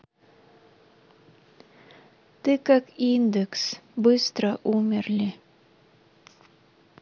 ты как индекс быстро умерли